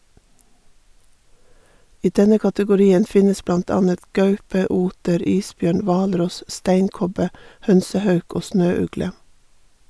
I denne kategorien finnes blant annet gaupe, oter, isbjørn, hvalross, steinkobbe, hønsehauk og snøugle.